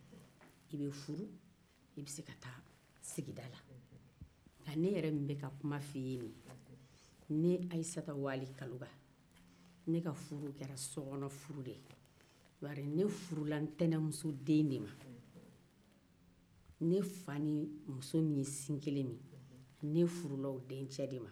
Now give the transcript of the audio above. i bɛ se ka taa sigida la hali ne yɛrɛ min bɛ ka kuma fo i ye nin ne ayisata wali kaloga ne ka furu kɛra sokɔnɔ furu de ye bari ne furu la n'tɛnɛmuso den de ma ne fa ni muso min ye sin kelen min ne furula o denkɛ de ma